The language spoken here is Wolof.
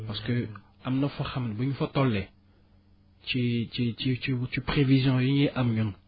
parce que am na foo xam ne bu ñu fa tollee ci ci ci ci prévisions yi ñuy am ñun